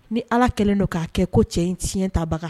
Ni ala kɛlen don k'a kɛ ko cɛ in si tabaga